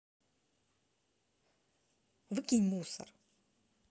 выкинь мусор